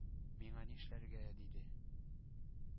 Миңа нишләргә? — диде.